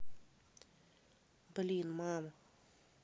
блин мам